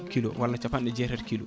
kilo walla capanɗe jeetati kilos